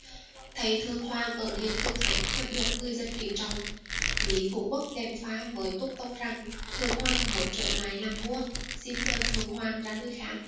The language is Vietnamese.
thấy thượng hoàng ở điện hưng khánh vẫn được người dân kính trọng lý phụ quốc gièm pha với túc tông rằng thượng hoàng muốn trở lại làm vua xin dời thượng hoàng ra nơi khác